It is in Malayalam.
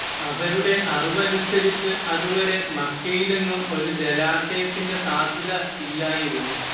അവരുടെ അറിവനുസരിച്ച് അത് വരെ മക്കയിലെങ്ങും ഒരു ജലാശയത്തിന്റെ സാധ്യത ഇല്ലായിരുന്നു